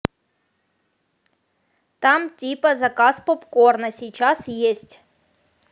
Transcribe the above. там типа заказ попкорна сейчас есть